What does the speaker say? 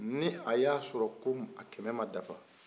ni a y'a sɔrɔ ko a kɛmɛ ma dafa